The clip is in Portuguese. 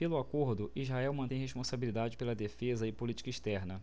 pelo acordo israel mantém responsabilidade pela defesa e política externa